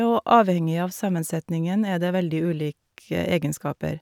Og avhengig av sammensetningen er det veldig ulike egenskaper.